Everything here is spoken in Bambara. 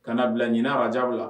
Kana na bila ɲin la jaw la